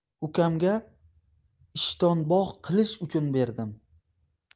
ukamga ishtonbog' qilish uchun berdim